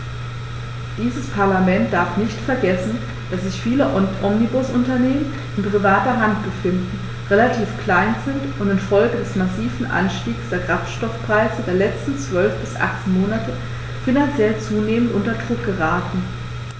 Dieses Parlament darf nicht vergessen, dass sich viele Omnibusunternehmen in privater Hand befinden, relativ klein sind und in Folge des massiven Anstiegs der Kraftstoffpreise der letzten 12 bis 18 Monate finanziell zunehmend unter Druck geraten.